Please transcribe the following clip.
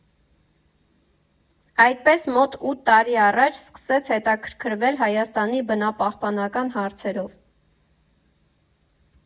Այդպես, մոտ ութ տարի առաջ սկսեց հետաքրքրվել Հայաստանի բնապահպանական հարցերով։